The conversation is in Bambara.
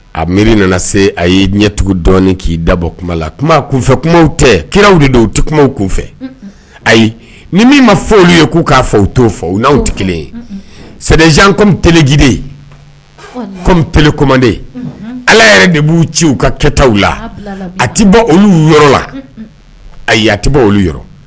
A miiri nana se a ye ɲɛ tugun dɔɔnini k'i dabɔ kuma la kuma kunfɛ kumaw tɛ kiraw de don u tɛ kumaw kun kɔfɛ ayi ni min ma fɔ olu ye k' k'a fɔ u'o fɔ u n'aw tɛ kelen sɛsan kom peelejide kom peelekden ala yɛrɛ de b'u ci u ka kɛtaw la a tɛ bɔ olu yɔrɔ la a tɛ bɔ olu yɔrɔ